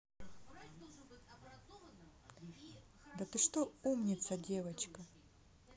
да ты что умница девочка